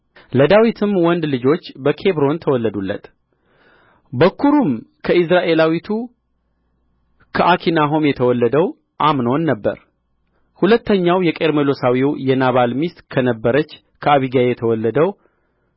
ለዳዊትም ወንድ ልጆች በኬብሮን ተወለዱለት በኵሩም ከኢይዝራኤላዊቱ ከአኪናሆም የተወለደው አምኖን ነበረ ሁለተኛውም የቀርሜሎሳዊው የናባል ሚስት ከነበረች ከአቢግያ የተወለደው